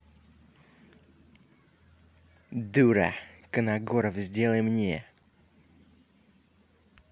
дура коногоров сделай мне